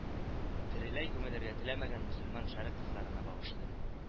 Тереләй күмелергә теләмәгән мөселман шәрык кызларына багышлыйм